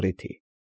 Առիթի։